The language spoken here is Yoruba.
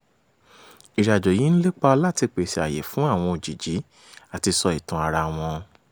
Ìrìnàjò yìí ń lépa láti pèsè àyè fún àwọn òjìjí láti sọ ìtàn ara wọn.